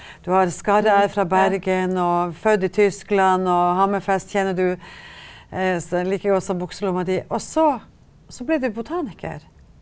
du har skarre-r fra Bergen og født i Tyskland og Hammerfest kjenner du like godt som bukselomma di, og så så ble du botaniker.